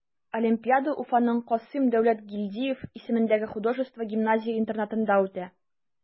Олимпиада Уфаның Касыйм Дәүләткилдиев исемендәге художество гимназия-интернатында үтә.